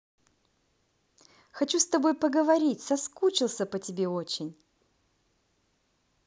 хочу с тобой поговорить соскучился по тебе очень